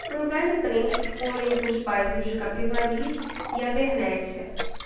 um velho trem circula entre os bairros de capivari e abernéssia